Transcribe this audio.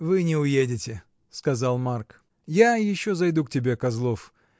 — Вы не уедете, — сказал Марк. — Я еще зайду к тебе, Козлов.